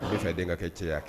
I bɛ fɛ den ka kɛ cɛ ya